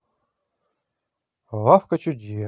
лавка чудес